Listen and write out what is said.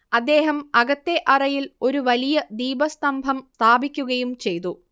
അദ്ദേഹം അകത്തെ അറയിൽ ഒരു വലിയ ദീപസ്തംഭം സ്ഥാപിക്കുകയും ചെയ്തു